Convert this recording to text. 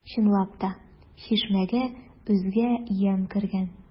Чынлап та, чишмәгә үзгә ямь кергән.